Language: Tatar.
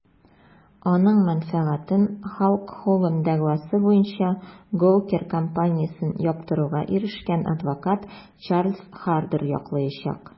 Аның мәнфәгатен Халк Хоган дәгъвасы буенча Gawker компаниясен яптыруга ирешкән адвокат Чарльз Хардер яклаячак.